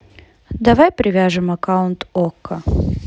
давай привяжем аккаунт окко